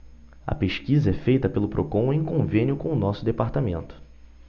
a pesquisa é feita pelo procon em convênio com o diese